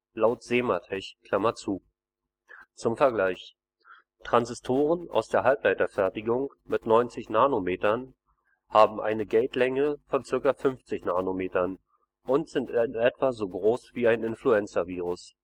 laut SEMATech). Zum Vergleich: Transistoren aus der Halbleiterfertigung mit 90 nm haben eine Gatelänge von ca. 50 nm und sind etwa so groß wie ein Influenzavirus